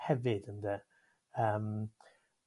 hefyd ynde yym.